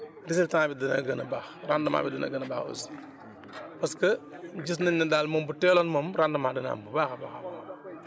résultat bi dina gën a baax rendement bi dina gën a baax aussi parce que gis nañ ne daal moom bu teeloon moom rendement dana am bu baax a baax a baax